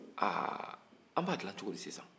aa an b'a dilan cogo di sisan